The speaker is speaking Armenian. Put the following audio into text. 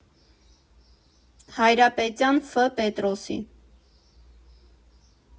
Հայրապետյան Ֆ Պետրոսի։